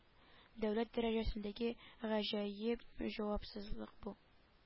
Дәүләт дәрә әсендәге гаҗәеп авапсызлык бу